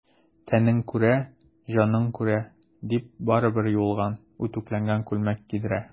Тәнең күрә, җаның күрә,— дип, барыбер юылган, үтүкләнгән күлмәк кидерә.